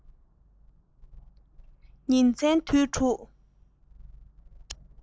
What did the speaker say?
ཉིན མཚན དུས དྲུག